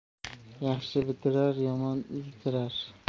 yaxshi bitirar yomon yitirar